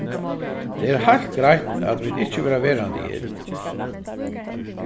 tað er heilt greitt at vit ikki verða verandi her